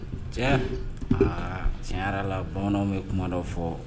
Cɛ aa tiɲɛyara la bamananw bɛ kumada fɔ